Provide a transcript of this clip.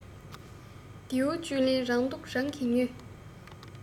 རྡེའུ བཅུད ལེན རང སྡུག རང གིས ཉོས